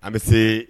A bɛ se